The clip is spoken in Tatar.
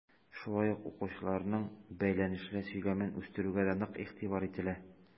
Шулай ук укучыларның бәйләнешле сөйләмен үстерүгә дә нык игътибар ителә.